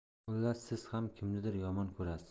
xullas siz ham kimnidir yomon ko'rasiz